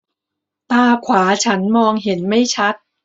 ตาขวาฉันมองเห็นไม่ชัด